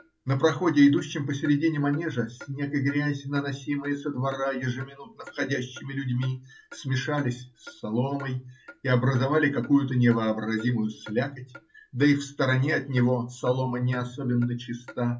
На проходе, идущем посредине манежа, снег и грязь, наносимые со двора ежеминутно входящими людьми, смешались с соломой и образовали какую-то невообразимую слякоть, да и в стороне от него солома не особенно чиста.